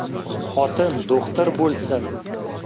xotin do'xtir bo'lsin